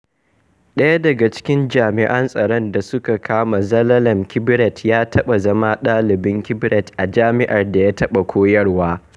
ɗaya daga cikin jami'an tsaron da suka kama Zelalem Kibret ya taɓa zama ɗalibin Kibret a jami'ar da ya taɓa koyarwa.